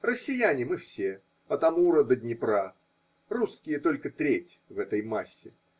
Россияне мы все от Амура до Днепра, русские только треть в этой массе.